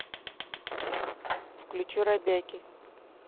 включи робяки